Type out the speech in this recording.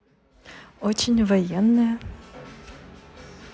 очень военная